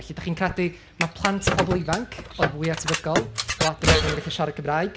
Felly, dach chi'n credu mai plant a pobl ifanc oedd fwya tebygol o adrodd bod nhw'n gallu siarad Cymraeg?